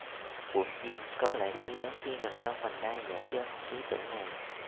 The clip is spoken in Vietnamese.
quận chín có lợi thế lớn khi nằm trong vành đai giãn dân lý tưởng này